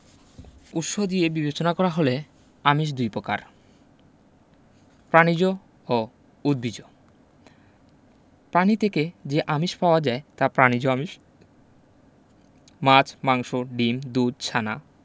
উৎস দিয়ে বিবেচনা করা হলে আমিষ দুই প্রকার প্রাণিজ ও উদ্ভিজ্জ প্রাণী থেকে যে আমিষ পাওয়া যায় তা প্রাণিজ আমিষ মাছ মাংস ডিম দুধ ছানা